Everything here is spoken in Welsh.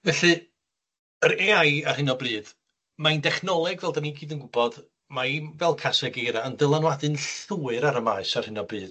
Felly, yr Ay I ar hyn o bryd, mae'n dechnoleg fel 'dan ni gyd yn gwbod, mae'n fel caseg eira yn ddylanwadu'n llwyr ar y maes ar hyn o bryd.